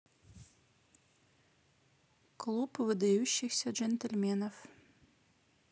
клуб выдающихся джентльменов